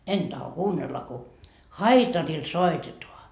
en tahdo kuunnella kun haitarilla soitetaan